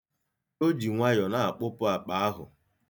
O ji nwayọ na-akpụpụ akpa ahụ.